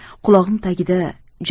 qulog'im tagida